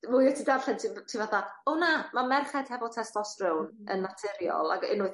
mwya ti darllen ti f- ti fatha o na ma' merched hefo testosteron yn naturiol ag unwaith